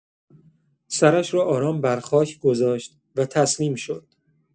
سرش را آرام بر خاک گذاشت و تسلیم شد.